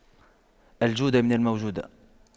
الجودة من الموجودة